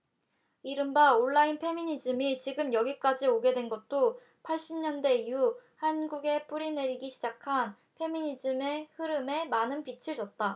이른바 온라인 페미니즘이 지금 여기까지 오게 된 것도 팔십 년대 이후 한국에 뿌리를 내리기 시작한 페미니즘의 흐름에 많은 빚을 졌다